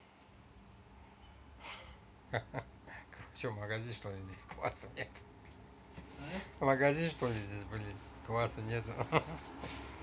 как зарегистрировать игру standoff два